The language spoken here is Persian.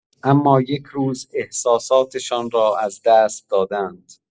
اما یک روز احساساتشان را از دست داده‌اند.